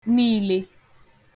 niīlē